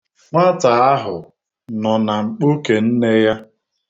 Nwata ahụ nọ na mkpuke nne ya.